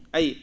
a yiyii